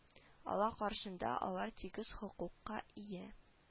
Алла каршында алар тигез хокукка ия